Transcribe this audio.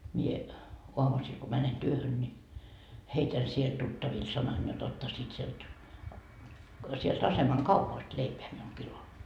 niin aamusilla kun menen työhön niin heitän siellä tuttaville sanan jotta ottaisivat sieltä sieltä aseman kaupasta leipää minulle kilon